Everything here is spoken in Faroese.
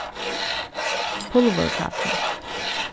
pulvurkaffi